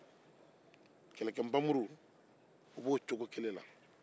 kɛlɛkɛnpanmuru bɛ o cogo kelen na